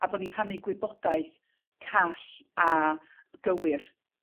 a bo' ni'n rhannu gwybodaeth call a gywir